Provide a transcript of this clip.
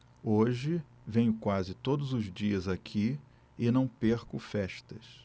hoje venho quase todos os dias aqui e não perco festas